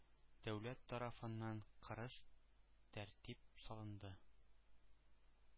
Дәүләт тарафыннан кырыс тәртип салынды.